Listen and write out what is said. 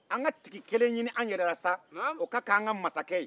an ka tigi kelen ɲini an yɛrɛ la sa o ka k'an ka mansakɛ ye